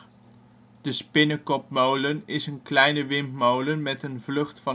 spinnekopmolen is een kleine windmolen met een vlucht